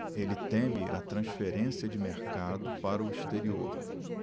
ele teme a transferência de mercado para o exterior